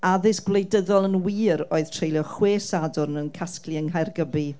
addysg wleidyddol yn wir oedd treulio chwe sadwrn yn casglu yng Nghaergybi.